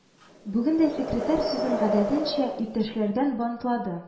Бүген дә секретарь сүзен гадәтенчә «Иптәшләрдән бантлады: